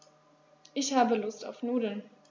Ich habe Lust auf Nudeln.